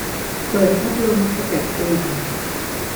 เปิดพัดลมขจัดกลิ่น